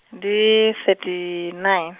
di thirty nine.